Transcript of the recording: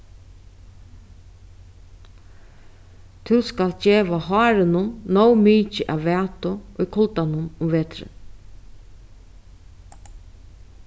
tú skalt geva hárinum nóg mikið av vætu í kuldanum um veturin